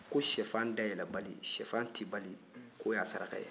ko sisɛfan dayɛlɛnbali sisɛfan cibali k'o y'a saraka ye